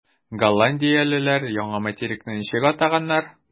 Голландиялеләр яңа материкны ничек атаганнар?